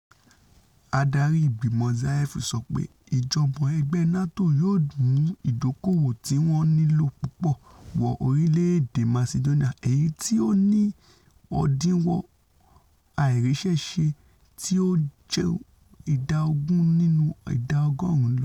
Adarí Ìgbìmọ̀ Zaev sọ pé ìjọ́mọ-ẹgbẹ́ NATO yóò mú ìdókòòwò tíwọ́n nílò púpọ̀ wọ orílẹ̀-èdè Masidóníà, èyití tí ó ní òdiwọn àìríṣẹ́ṣe tí o ju ìdá ogún nínú ìdá ọgọ́ọ̀rún lọ.